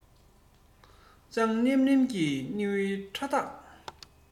ལྗང ནེམ ནེམ གྱི ནེའུ སྐྲ དག